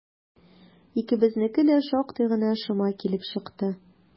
Икебезнеке дә шактый гына шома килеп чыкты.